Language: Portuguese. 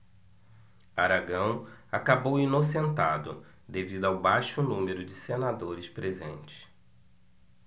aragão acabou inocentado devido ao baixo número de senadores presentes